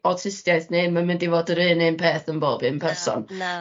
awtistiaith ddim yn mynd i fod yr un un peth yn bob un person. Na na.